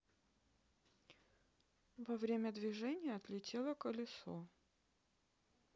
во время движения отлетело колесо